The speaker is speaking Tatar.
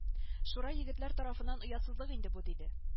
Шура егетләр тарафыннан оятсызлык инде бу диде